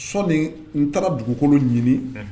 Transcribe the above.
Sɔni n taara dugukolo ɲini